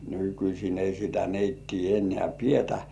nykyisin ei sitä neittiä enää pidetä